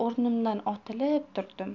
o'rnimdan otilib turdim